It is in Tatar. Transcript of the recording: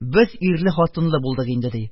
Без ирле-хатынлы булдык инде, - ди.